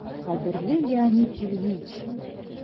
«кадерле леонид ильич!»